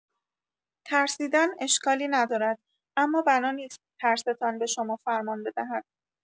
ترسیدن اشکالی ندارد، اما بنا نیست ترستان به شما فرمان بدهد.